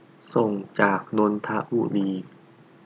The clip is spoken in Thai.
ส่งจากนนทบุรี